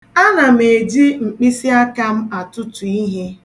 Ana m eji mkpịsịaka m atụtụ ihe.